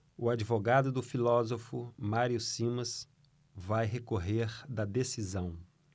o advogado do filósofo mário simas vai recorrer da decisão